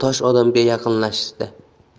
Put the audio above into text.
tosh odamga yaqinlashdi